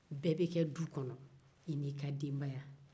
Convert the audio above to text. bɛɛ bɛ kɛ du kɔnɔ i n'i ka denbaya